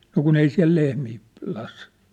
no kun ei siellä lehmiä --